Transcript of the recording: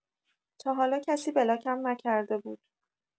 تا حالا کسی بلاکم نکرده بود